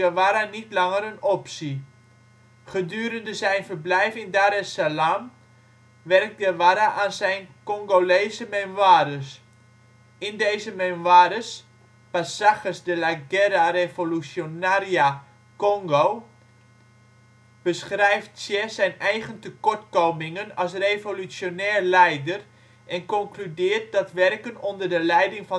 Guevara niet langer een optie. Gedurende zijn verblijf in Dar-Es-Salaam werkt Guevara aan zijn " Congolese memoires ". In deze memoires, " Pasajes de la Guerra Revolucionaria (Congo) ", beschrijft Che zijn eigen tekortkomingen als revolutionair leider en concludeert dat werken onder de leiding